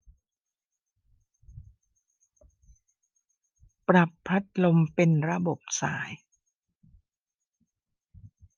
ปรับพัดลมเป็นระบบส่าย